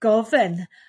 gofen